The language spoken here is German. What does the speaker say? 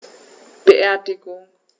Beerdigung